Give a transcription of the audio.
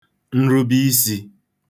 nrubiisī